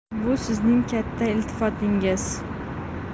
bu sizning katta iltifotingizdir